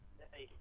labayka